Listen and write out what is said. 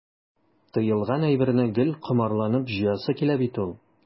Тыелган әйберне гел комарланып җыясы килә бит ул.